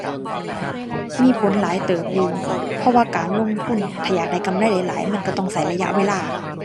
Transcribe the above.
มีผลหลายเติบอยู่ เพราะว่าการลงทุน ถ้าอยากได้กำไรหลายหลายมันก็ต้องก็ระยะเวลา